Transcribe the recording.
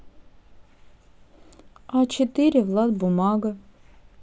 а четыре влад бумага